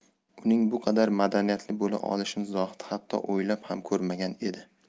uning bu qadar madaniyatli bo'la olishini zohid hatto o'ylab ham ko'rmagan edi